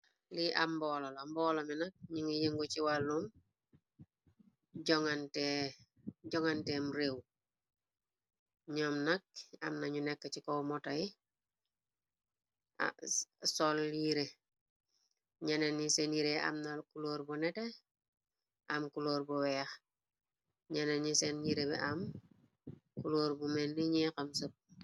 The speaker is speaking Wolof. lii am mboolo la mboolo mi nak ñi ngi yëngu ci wàllum jongantem réew ñoom nak amnañu nekk ci kow motoy sol liire ñenen ni seen yiire amna kulóor bu nete am kulóor bu weex ñenen ni seen yire bi am kulóor bu melni ñi xam sep.